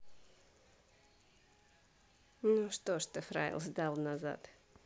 ну что ж ты фрайер сдал назад